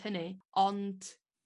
hynny ond